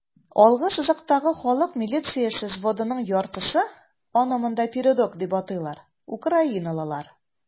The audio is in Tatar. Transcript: Алгы сызыктагы халык милициясе взводының яртысы (аны монда "передок" дип атыйлар) - украиналылар.